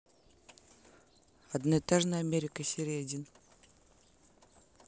одноэтажная америка серия один